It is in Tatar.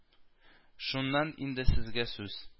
Шуннан инде сүзгә сүз